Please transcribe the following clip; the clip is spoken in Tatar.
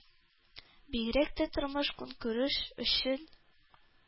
Бигрәк тә тормыш-көнкүреш өчен